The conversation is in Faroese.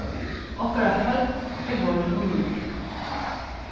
okkara høll er vorðin ov lítil